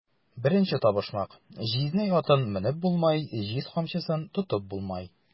Беренче табышмак: "Җизнәй атын менеп булмай, җиз камчысын тотып булмай!"